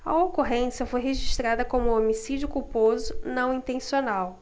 a ocorrência foi registrada como homicídio culposo não intencional